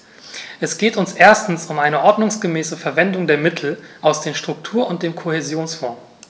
Es geht uns erstens um eine ordnungsgemäße Verwendung der Mittel aus den Struktur- und dem Kohäsionsfonds.